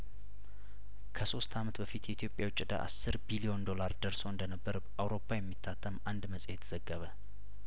ከሶስት አመት በፊት የኢትዮጵያ የውጭ እዳ አስር ቢሊዮን ዶላር ደርሶ እንደነበር አውሮፓ የሚታተም አንድ መጽሄት ዘገበ